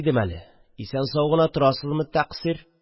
Идем әле, исән-сау гына торасызмы, тәкъсир?